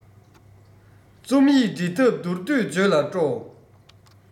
རྩོམ ཡིག འབྲི ཐབས མདོར བསྡུས བརྗོད ལ སྤྲོ